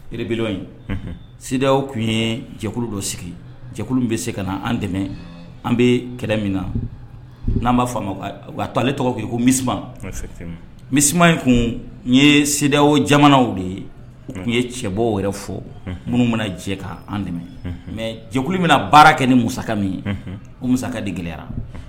Yirire bidɔn inw tun ye jɛkulu dɔ sigi jɛkulu bɛ se ka na an dɛmɛ an bɛ kɛlɛ min na n'an b'a fɔ a to ale tɔgɔ yen ko misi misi in kun n yew jamanaw de ye u tun ye cɛbɔ yɛrɛ fɔ minnu bɛna jɛ k' an dɛmɛ mɛ jɛkulu bɛna baara kɛ ni mu min ye ko masa de gɛlɛyara